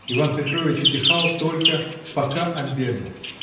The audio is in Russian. Иван Петрович утихал только, пока обедал